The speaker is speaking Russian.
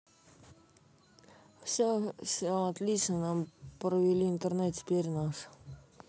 все все отлично нам провели интернет теперь нас